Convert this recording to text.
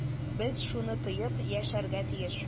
Без шуны тоеп яшәргә тиеш.